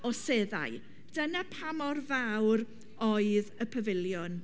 o seddau dyna pa mor fawr oedd y pafiliwn.